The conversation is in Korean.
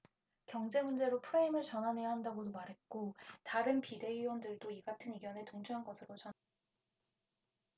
경제 문제로 프레임을 전환해야 한다고도 말했고 다른 비대위원들도 이 같은 의견에 동조한 것으로 전해졌다